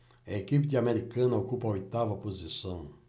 a equipe de americana ocupa a oitava posição